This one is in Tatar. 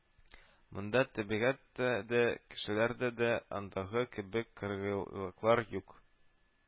Монда табигатьтә дә, кешеләрдә дә андагы кебек кыргыйлыклар юк